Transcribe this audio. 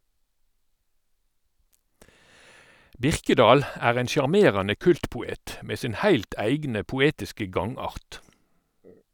Birkedal er ein sjarmerande kultpoet med sin heilt eigne poetiske gangart.